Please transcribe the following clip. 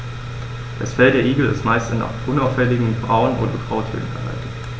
Das Fell der Igel ist meist in unauffälligen Braun- oder Grautönen gehalten.